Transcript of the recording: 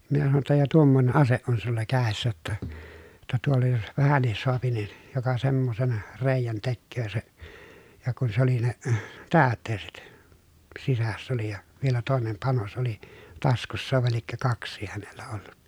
minä sanoin jotta ja tuommoinen ase on sinulla kädessä että jotta tuolla jos vähänkin saa niin joka semmoisen reiän tekee se ja kun se oli ne täytteiset sisässä oli ja vielä toinen panos oli taskussa vai liekö kaksikin hänellä ollut